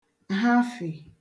hafè